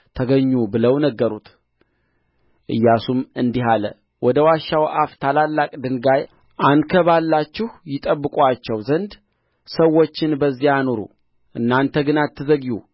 ተገኙ ብለው ነገሩት ኢያሱም እንዲህ አለ ወደ ዋሻው አፍ ታላላቅ ድንጋይ አንከባልላችሁ ይጠብቁአቸው ዘንድ ሰዎችን በዚያ አኑሩ እናንተ ግን አትዘግዩ